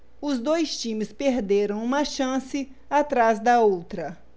os dois times perderam uma chance atrás da outra